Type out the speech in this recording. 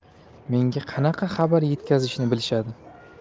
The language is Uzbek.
menga qanaqa xabar yetkazishni bilishadi